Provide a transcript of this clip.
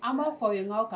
An b'a fɔ ɲɔgɔn kan